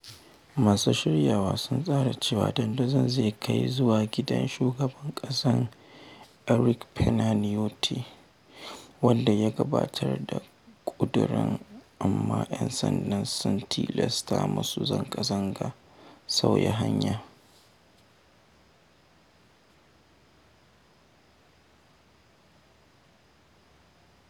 Masu shiryawa sun tsara cewa dandazon zai kai zuwa gidan shugaban ƙasa Enrique Pena Nieto, wanda ya gabatar da ƙudirin, amma ‘yan sanda sun tilasta masu zanga-zanga sauya hanya.